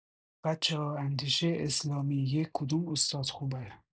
بچه‌ها اندیشه اسلامی ۱ کدوم استاد خوبه؟